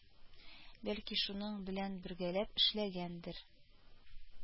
Бәлки шуның белән бергәләп эшләргәдер